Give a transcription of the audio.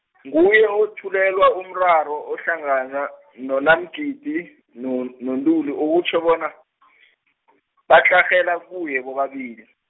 nguye owethulelwa umraro ohlangana noNaMgidi, no noNtuli okutjho bona , batlarhela kuye bobabili.